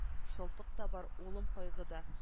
Шатлык та бар улым кайгы да